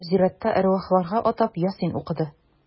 Зиратта әрвахларга атап Ясин укыды.